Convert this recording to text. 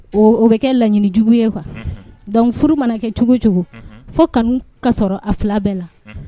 O o bɛ kɛ laɲini jugu ye wa dɔnku furu mana kɛ cogo cogo fo kanu ka sɔrɔ a fila bɛɛ la